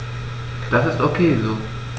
Das ist ok so.